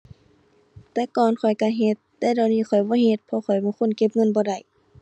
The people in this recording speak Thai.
แต่ก่อนข้อยก็เฮ็ด แต่เดี๋ยวนี้ข้อยบ่เฮ็ดเพราะข้อยเป็นคนเก็บเงินบ่ได้